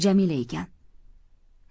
jamila ekan